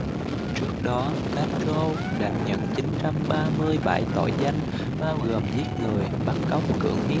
trước đó castro đã nhận chín trăm ba mươi bảy tội danh bao gồm giết người bắt cóc cưỡng hiếp